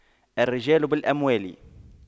الرجال بالأموال